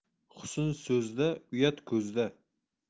husn so'zda uyat ko'zda